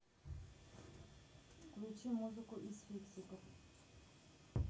включи музыку из фиксиков